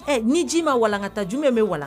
Ɛ ni ji ma walaŋata jumɛn be walan